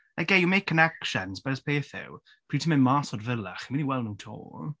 Like yeah you make connections but it's peth yw pryd ti'n mynd mas o'r Villa chi'n mynd i weld nhw 'to.